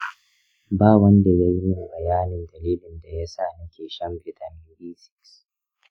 ba wanda ya yi min bayanin dalilin da yasa nake shan vitamin b6.